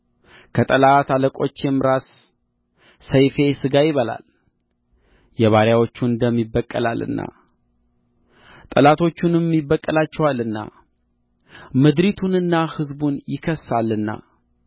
ከጠላት አለቆችም ራስ ሰይፌ ሥጋ ይበላል የባሪያዎቹን ደም ይበቀላልና ጠላቶቹንም ይበቀላቸዋልና ምድሪቱንና ሕዝቡን ይክሳልና